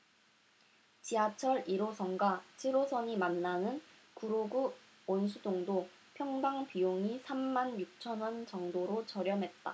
지하철 일 호선과 칠 호선이 만나는 구로구 온수동도 평당 비용이 삼 만 육천 원 정도로 저렴했다